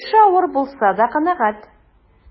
Эше авыр булса да канәгать.